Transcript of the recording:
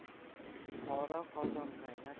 qora qozon qaynab